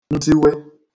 ntiwe